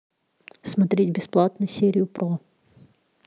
смотреть бесплатно серию про